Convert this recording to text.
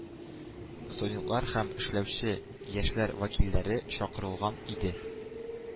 Студентлар һәм эшләүче яшьләр вәкилләре чакырылган иде.